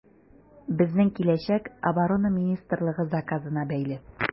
Безнең киләчәк Оборона министрлыгы заказына бәйле.